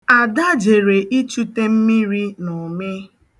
Ade jere ichute mmiri n'ụmị.